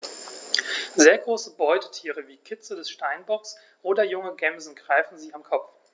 Sehr große Beutetiere wie Kitze des Steinbocks oder junge Gämsen greifen sie am Kopf.